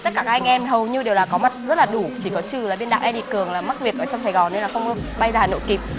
tất cả các anh em hầu như đều là có mặt rất là đủ chỉ có trừ là biên đạo en đi cường là mắc việc ở trong sài gòn nên là không bay ra hà nội kịp